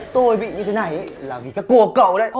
tôi bị như thế này là vì các cô các cậu đấy